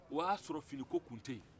o y'a sɔrɔ fini ko tun tɛ ye